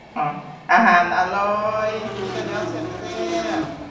อาหารอร่อย มีแต่แนวแซ่บแซ่บ